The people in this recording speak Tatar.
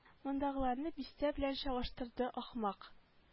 Мондагыларны бистә белән чагыштырды ахмак